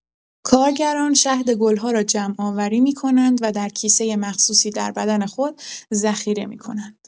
کارگران شهد گل‌ها را جمع‌آوری می‌کنند و در کیسه مخصوصی در بدن خود ذخیره می‌کنند.